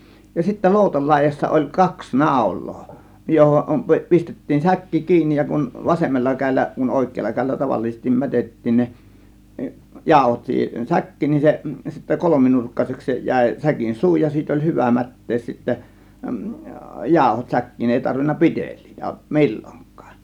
ja sitten loutan laidassa oli kaksi naulaa johon - pistettiin säkki kiinni ja kun vasemmalla kädellä kun oikealla kädellä tavallisesti mätettiin ne jauhot siihen säkkiin niin se sitten kolminurkkaiseksi se jäi säkin suu ja siitä oli hyvä mättää sitten jauhot säkkiin ei tarvinnut pitelijöitä milloinkaan